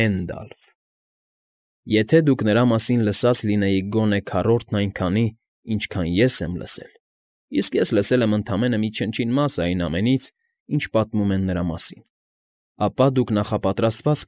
Հենդալֆը… եթե դուք նրա մասին լսած լինեիք գոնե քառորդն այնքանի, ինչքան ես եմ լսել, իսկ ես լսել եմ ընդամենը մի չնչին մասը այն ամենից, ինչ պատմում են նրա մասին, ապա դուք նախապատրաստված։